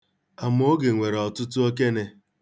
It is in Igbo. Amaoge nwere ọtụtụ okene.